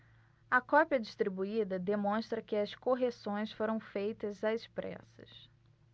a cópia distribuída demonstra que as correções foram feitas às pressas